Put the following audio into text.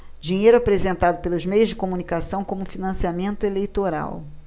dinheiro apresentado pelos meios de comunicação como financiamento eleitoral